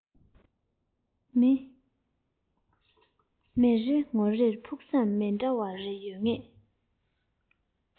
མི རེ ངོ རེར ཕུགས བསམ མི འདྲ བ རེ ཡོད དེ